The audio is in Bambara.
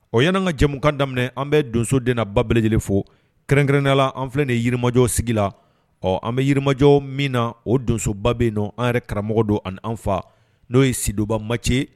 O yean ka jɛmukan daminɛ an bɛ donsodbaele lajɛlenele fo kɛrɛnnenla an filɛ ni yirimajɔ sigi la ɔ an bɛ yirimajɔ min na o donsoba bɛ nɔ an yɛrɛ karamɔgɔ don ani an fa n'o ye sidonba maci